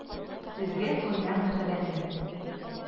Сезгә кайнар мәхәббәтем!